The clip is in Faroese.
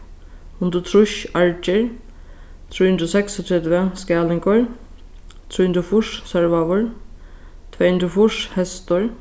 hundrað og trýss argir trý hundrað og seksogtretivu skælingur trý hundrað og fýrs sørvágur tvey hundrað og fýrs hestur